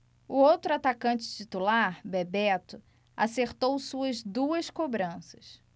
o outro atacante titular bebeto acertou suas duas cobranças